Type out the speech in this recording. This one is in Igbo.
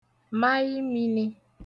maị mini